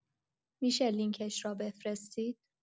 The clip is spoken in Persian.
می‌شه لینکش را بفرستید